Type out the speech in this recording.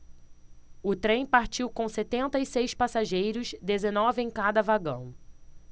o trem partiu com setenta e seis passageiros dezenove em cada vagão